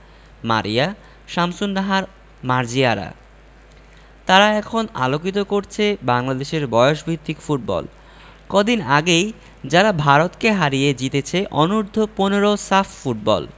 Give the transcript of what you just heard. মারিয়া শামসুন্নাহার মার্জিয়ারা তারা এখন আলোকিত করছে বাংলাদেশের বয়সভিত্তিক ফুটবল কদিন আগেই যারা ভারতকে হারিয়ে জিতেছে অনূর্ধ্ব ১৫ সাফ ফুটবল